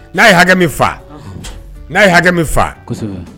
N'a ye hakɛ min fa n'a ye hakɛ min faa